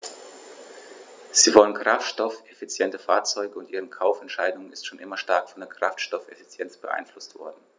Sie wollen kraftstoffeffiziente Fahrzeuge, und ihre Kaufentscheidung ist schon immer stark von der Kraftstoffeffizienz beeinflusst worden.